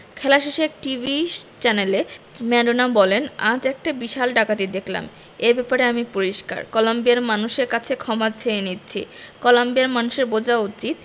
খেলা শেষে এক টিভি চ্যানেলে ম্যারাডোনা বলেন আজ একটা বিশাল ডাকাতি দেখলাম এ ব্যাপারে আমি পরিষ্কার কলম্বিয়ার মানুষের কাছে ক্ষমা চেয়ে নিচ্ছি কলম্বিয়ার মানুষের বোঝা উচিত